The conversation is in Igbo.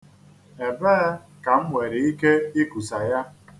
Ebee ka m nwere ike ikusa ya?